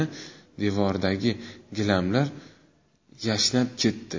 devordagi gilamlar yashnab ketdi